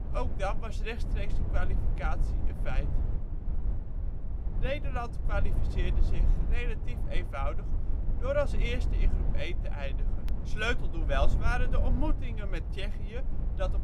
ook dan was rechtstreekse kwalificatie een feit. Nederland kwalificeerde zich relatief eenvoudig door als eerste in groep 1 te eindigen. Sleutelduels waren de ontmoetingen met Tsjechië, dat